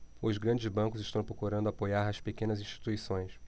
os grandes bancos estão procurando apoiar as pequenas instituições